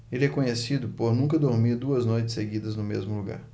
ele é conhecido por nunca dormir duas noites seguidas no mesmo lugar